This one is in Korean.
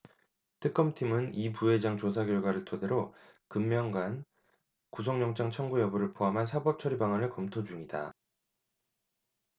특검팀은 이 부회장 조사 결과를 토대로 금명간 구속영장 청구 여부를 포함한 사법처리 방안을 검토 중이다